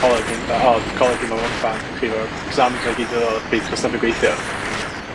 coleg mynd 'tha o 'di coleg dim yn orffan, exams a gyd o... Peidiwch a stopio gweithio.